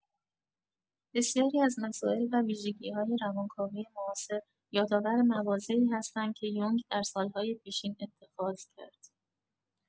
بسیاری از مسائل و ویژگی­های روانکاوی معاصر یادآور مواضعی هستند که یونگ در سال‌های پیشین اتخاذ کرد.